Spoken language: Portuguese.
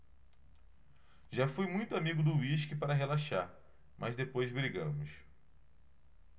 já fui muito amigo do uísque para relaxar mas depois brigamos